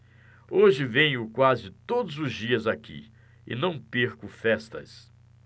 hoje venho quase todos os dias aqui e não perco festas